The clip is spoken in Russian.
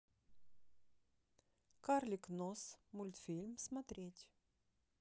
карлик нос мультфильм смотреть